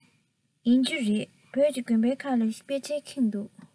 ཡིན གྱི རེད བོད ཀྱི དགོན པ ཁག ལ དཔེ ཆས ཁེངས འདུག ག